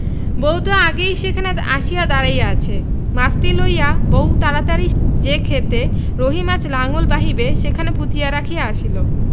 বউ তো আগেই সেখানে আসিয়া দাঁড়াইয়া আছে মাছটি লইয়া বউ তাড়াতাড়ি যে ক্ষেতে রহিম আজ লাঙল বাহিবে সেখানে পুঁতিয়া রাখিয়া আসিল